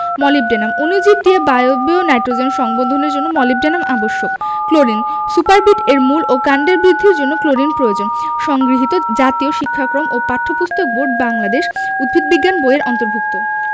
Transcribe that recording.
molybdenum অণুজীব দিয়ে বায়বীয় নাইট্রোজেন সংবন্ধনের জন্য মোলিবডেনাম আবশ্যক ক্লোরিন সুপারবিট এর মূল এবং কাণ্ডের বৃদ্ধির জন্য ক্লোরিন প্রয়োজন সংগৃহীত জাতীয় শিক্ষাক্রম ও পাঠ্যপুস্তক বোর্ড বাংলাদেশ উদ্ভিদ বিজ্ঞান বই এর অন্তর্ভুক্ত